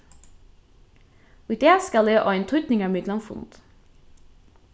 í dag skal eg á ein týdningarmiklan fund